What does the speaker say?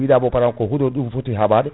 biɗa bo pa* ko huuɗo ɗum foti haɓade